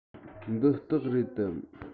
འདི སྟག རེད དམ